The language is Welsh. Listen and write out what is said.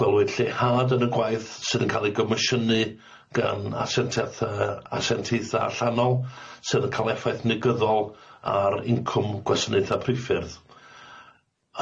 gwelwyd lleihad yn y gwaith sydd yn ca'l ei gomishynnu, gan asyntiaatha- yy asyntiaetha allanol sydd yn ca'l effaith negyddol ar incwm gwasanaetha priffyrdd.